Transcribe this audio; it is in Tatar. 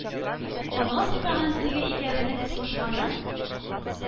Канга сусаган теге икәвенең сугышканын,